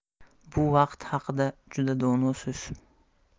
bu vaqt haqida juda dono so'z